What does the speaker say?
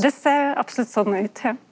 det ser absolutt sånn ut ja.